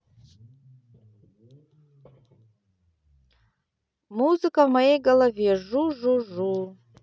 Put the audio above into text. музыка в моей голове жужужу